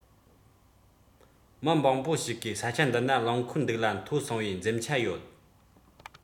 མི མང པོ ཞིག གིས ས ཆ འདི ན རླངས འཁོར འདུག གླ མཐོ སོང བའི འཛེམ ཆ ཡོད